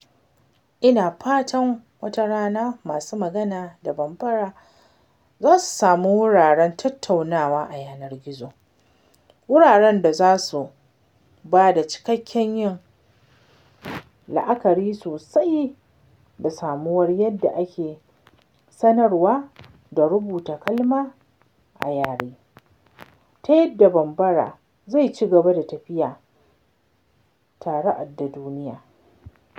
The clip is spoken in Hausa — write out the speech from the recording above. Ina fatan wata rana masu magana da Bambara za su sami wuraren tattaunawa a yanar gizo, wuraren da zasu bada cikakken yin la’akari sosai da samuwar yanda ake sanarwa da rubuta kalma a yare, ta yanda Bambara zai ci gaba da tafiya tare da duniya #identitymatrix